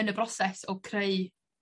yn y broses o creu